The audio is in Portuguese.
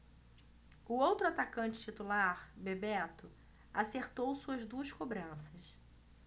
o outro atacante titular bebeto acertou suas duas cobranças